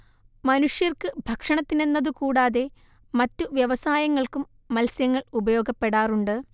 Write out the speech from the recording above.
മനുഷ്യർക്ക് ഭക്ഷണത്തിനെന്നതുകൂടാതെ മറ്റു വ്യവസായങ്ങൾക്കും മത്സ്യങ്ങൾ ഉപയോഗപ്പെടാറുണ്ട്